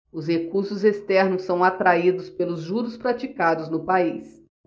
os recursos externos são atraídos pelos juros praticados no país